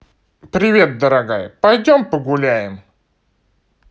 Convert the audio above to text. приветдорогая пойдем погуляем